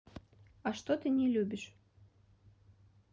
а что ты не любишь